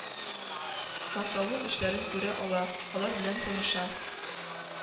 Мактаулы эшләрен күрә, алар белән таныша.